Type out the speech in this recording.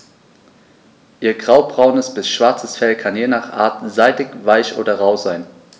Ihr graubraunes bis schwarzes Fell kann je nach Art seidig-weich oder rau sein.